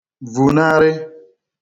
vùnarị